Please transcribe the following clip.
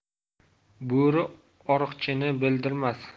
bo'ri oriqhgini bildirmas